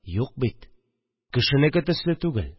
Юк бит, кешенеке төсле түгел